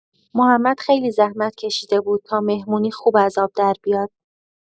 محمد خیلی زحمت‌کشیده بود تا مهمونی خوب از آب دربیاد.